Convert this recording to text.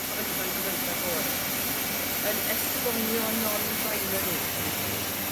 pobol ifanc yn bymthag oed yn esbonio non binary i fi.